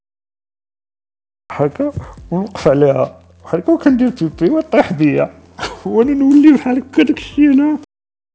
حكم وقف عليها